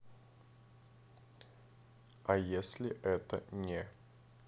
а если это не